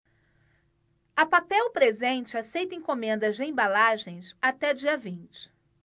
a papel presente aceita encomendas de embalagens até dia vinte